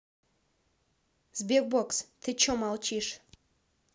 sberbox ты че молчишь